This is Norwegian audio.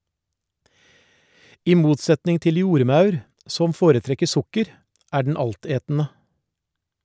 I motsetning til jordmaur, som foretrekker sukker, er den altetende.